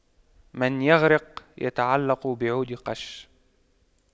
من يغرق يتعلق بعود قش